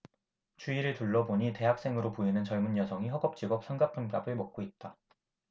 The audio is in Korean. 주위를 둘러보니 대학생으로 보이는 젊은 여성이 허겁지겁 삼각김밥을 먹고 있다